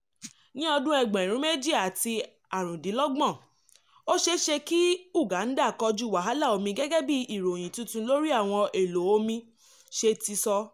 Ní ọdún 2025, ó ṣeéṣe kí Uganda kojú wàhálà omi gẹ́gẹ́ bí ìròyìn tuntun lórí àwọn èlò omi ṣe ti sọ.